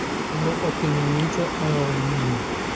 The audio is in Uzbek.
oriq otga minguncha oyog'ingga min